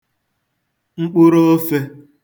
mkpụrụ ofē